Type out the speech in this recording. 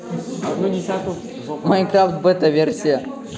майнкрафт бета версия